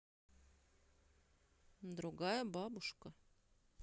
другая бабушка